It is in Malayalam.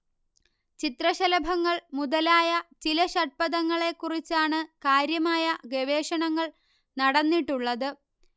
ചിത്രശലഭങ്ങൾ മുതലായ ചില ഷഡ്പദങ്ങളേക്കുറിച്ചാണ് കാര്യമായ ഗവേഷണങ്ങൾ നടന്നിട്ടുള്ളത്